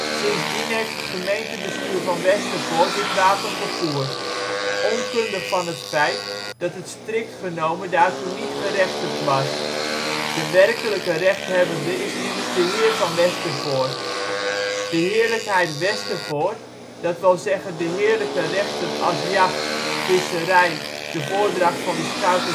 Sindsdien heeft het gemeentebestuur van Westervoort dit wapen gevoerd, onkundig van het feit dat het strikt genomen daartoe niet gerechtigd was. De werkelijke rechthebbende is immers de Heer van Westervoort. De Heerlijkheid Westervoort, dat wil zeggen de Heerlijke Rechten als jacht, visserij, de voordracht van de schout